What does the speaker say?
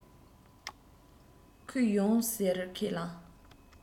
ཁོས ཡོང ཟེར ཁས བླངས